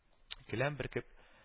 Көләм бөркеп